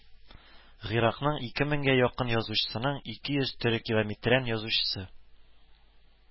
Гыйракның ике меңгә якын язучысының ике йөзе төрекилометрән язучысы